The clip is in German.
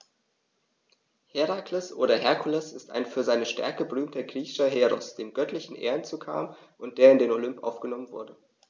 Herakles oder Herkules ist ein für seine Stärke berühmter griechischer Heros, dem göttliche Ehren zukamen und der in den Olymp aufgenommen wurde.